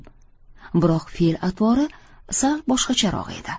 biroq fe'l atvori sal boshqacharoq edi